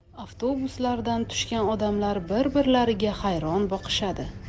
avtobuslardan tushgan odamlar bir birlariga hayron boqishadi